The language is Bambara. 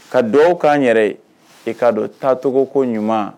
Ka dɔw k'an yɛrɛ e'a don taacogoko ɲuman